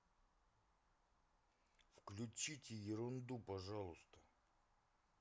включите ерунду пожалуйста